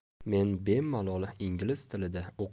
men bemalol ingliz